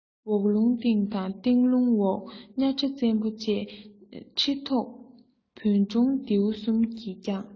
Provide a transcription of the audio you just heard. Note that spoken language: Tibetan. འོག རླུང སྟེང དང སྟེང རླུང འོག གཉའ ཁྲི བཙན པོ ནས ཁྲི ཐོག བོན སྒྲུང ལྡེའུ གསུམ གྱིས བསྐྱངས